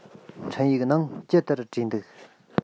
འཕྲིན ཡིག ནང ཅི ལྟར བྲིས འདུག